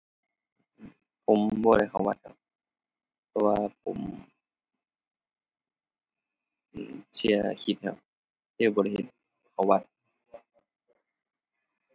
ผมบ่ได้เข้าวัดครับ เพราะว่าผม อืม เชื่อคริสต์ครับ เลยบ่ได้เข้าวัด